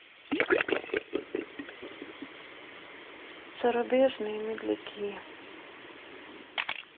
зарубежные медляки